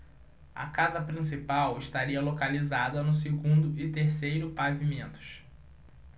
a casa principal estaria localizada no segundo e terceiro pavimentos